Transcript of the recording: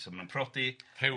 So maen nhw'n priodi. Rhyw.